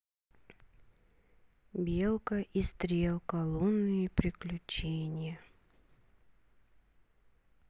белка и стрелка лунные приключения